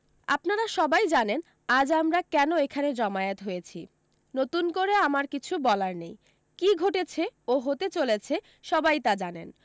আপনারা সবাই জানেন আজ আমরা কেন এখানে জমায়েত হয়েছি নতুন করে আমার কিছুই বলার নেই কী ঘটেছে ও হতে চলেছে সবাই তা জানেন